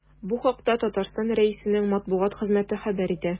Бу хакта Татарстан Рәисенең матбугат хезмәте хәбәр итә.